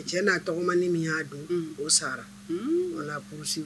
Cɛ n'a tɔgɔ ma min y'a don o sara wala la kulusi